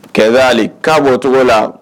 Kɛ kaa bɔcogo la